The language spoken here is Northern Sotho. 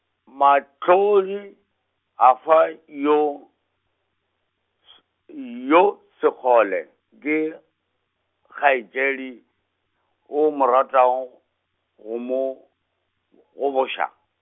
Mahlodi, afa yo s-, yo Sekgole ke, kgaetšedi, o mo ratago go mo, goboša?